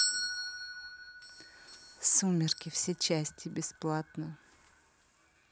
сумерки все части бесплатно